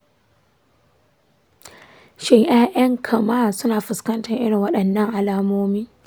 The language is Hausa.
shin ‘ya’yanka ma suna fuskantar irin waɗannan alamomin?